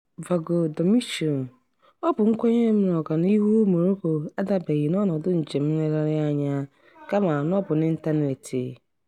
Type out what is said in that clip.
[Vago Damitio:] Ọ bụ nkwenye m na ọganịhụ Morocco adabeghị n'ọnọdụ njem nlehgarị anya kama na ọ bụ n'ịntaneti.